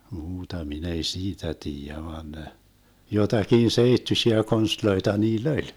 muuta minä ei siitä tiedä vaan ne jotakin seittyisiä konsteja niillä oli